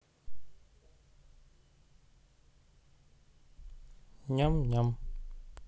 ням ням